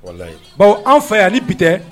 Walahi bawo an' fɛ yan ni bi tɛ